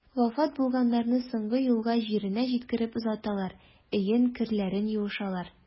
Вафат булганнарны соңгы юлга җиренә җиткереп озаталар, өен, керләрен юышалар.